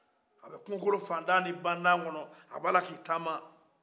a bɛ kumokolo fantan ani bantan kɔnɔ a b'a la ka a tagama